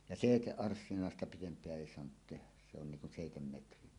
ja seitsemänarssinaista pidempää ei saanut tehdä se on niin kuin seitsemänmetrinen